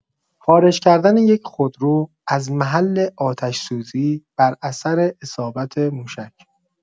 خارج‌کردن یک خودرو از محل آتش‌سوزی بر اثر اصابت موشک